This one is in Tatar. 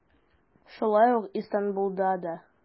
Шулай ук Истанбулда да.